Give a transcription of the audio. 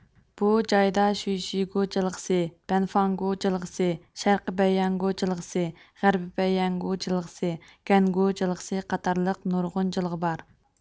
بۇ جايدا شۈيشىگۇ جىلغىسى بەنفاڭگۇ جىلغىسى شەرقىي بەيياڭگۇ جىلغىسى غەربىي بەيياڭگۇ جىلغىسى گەنگۇ جىلغىسى قاتارلىق نۇرغۇن جىلغا بار